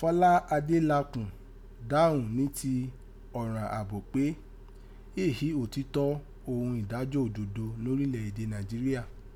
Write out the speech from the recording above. Fọlá Adélakùn dághùn ni ti ọràn àbò pé éè hí otítọ́ oghun idajọ ododo norilẹ ede Naijiria.